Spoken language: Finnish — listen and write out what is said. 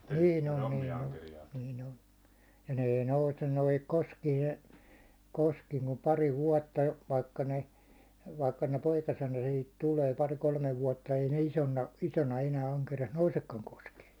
niin on niin on niin on ja ne ei nouse noihin koskiin - koskiin kuin pari vuotta vaikka ne vaikka ne poikasena siihen tulee pari kolme vuotta ei ne isona isona enää ankerias nousekaan koskeen